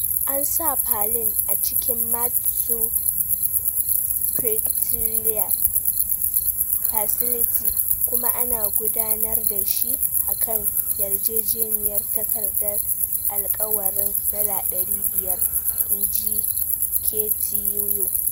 An sa Palin a cikin Mat-Su Pretrial Facility kuma ana gudanar da shi a kan yarjejeniyar takardar alƙwarin $500, in ji KTUU.